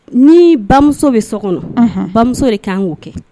Ni bamuso bɛ so kɔnɔ bamuso de kan k'o kɛ